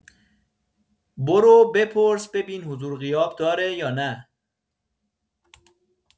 برو بپرس ببین حضور غیاب داره یا نه؟